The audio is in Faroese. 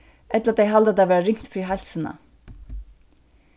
ella tey halda tað vera ringt fyri heilsuna